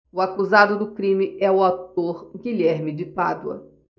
o acusado do crime é o ator guilherme de pádua